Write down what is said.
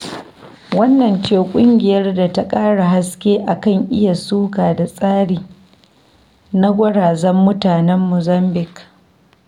Wannan ce ƙungiyar da ta ƙara haske a kan iya suka da tsari na gwarazan mutanen Muzambic.